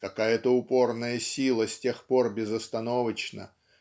какая-то упорная сила с тех пор безостановочно